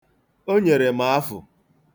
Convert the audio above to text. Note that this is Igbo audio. O nyere m afụ.